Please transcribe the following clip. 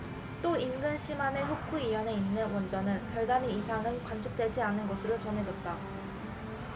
또 인근 시마네 후쿠이현에 있는 원전은 별다른 이상은 관측되지 않은 것으로 전해졌다